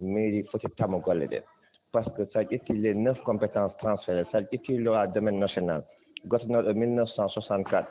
mairie foti tama golle ɗee par ce que so a ƴettii les neuf compétences transférés so a ƴettii ƴeewa domaine national gosnooɗo e mille neuf cent soixante quatre